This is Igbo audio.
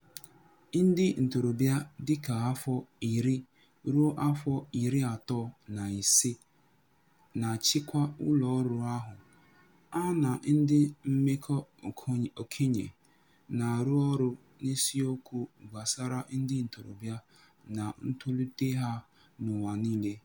Ndị ntorobịa dị ka afọ iri ruo afọ iri atọ na ise na-achịkwa ụlọọrụ ahụ, ha na ndi mmekọ okenye na-arụ ọrụ n'isiokwu gbasara ndị ntorobịa na ntolite ha n'ụwa niile